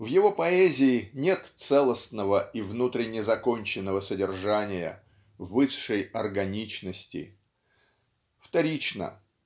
В его поэзии нет целостного и внутренне законченного содержания высшей органичности. Вторична